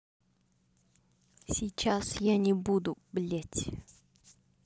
сейчас я не буду блядь